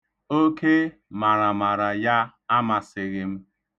Oke maramara ya amasịghị m.